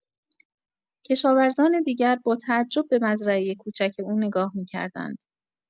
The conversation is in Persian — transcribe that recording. کشاورزان دیگر با تعجب به مزرعۀ کوچک او نگاه می‌کردند.